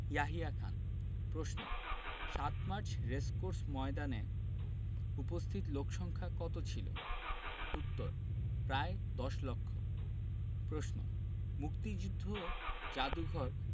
ইয়াহিয়া খান প্রশ্ন ৭ই March racecourse ময়দানে উপস্থিত লোকসংক্ষা কত ছিলো উত্তর প্রায় দশ লক্ষ প্রশ্ন মুক্তিযুদ্ধ যাদুঘর